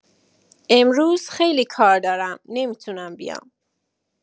امروز خیلی کار دارم نمی‌تونم بیام